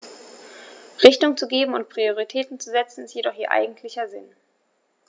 Richtung zu geben und Prioritäten zu setzen, ist jedoch ihr eigentlicher Sinn.